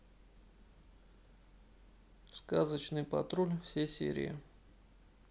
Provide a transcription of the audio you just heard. сказочный патруль все серии